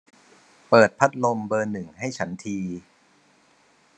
เปิดพัดลมเบอร์หนึ่งให้ฉันที